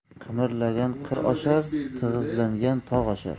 qimirlagan qir oshar tig'izlagan tog' oshar